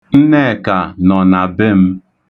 Nneka nọ na be m.